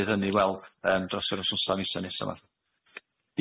fydd hynny weld yym dros yr wsnosa nesa nesa 'ma.